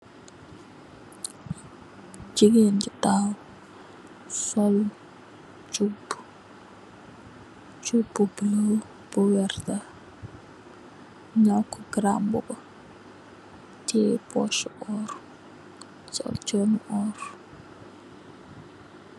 Jigeen da sol chop bu bulu ak werteh mu nyaw ko garam bubu tiyeh poso orr sol chenu orr.